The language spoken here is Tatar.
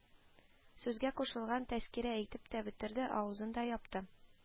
Сүзгә кушылган Тәскирә әйтеп тә бетерде, авызын да япты